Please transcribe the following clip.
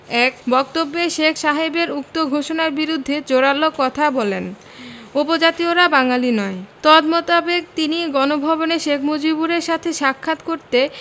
এক বক্তব্যে শেখ সাহেবের উক্ত ঘোষণার বিরুদ্ধে জোরালো কথায় বলেন উপজাতীয়রা বাঙালি নয় তদ মোতাবেক তিনি গণভবনে শেখ মুজিবের সাথে সাক্ষাৎ করতে